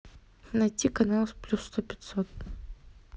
найти канал плюс сто пятьсот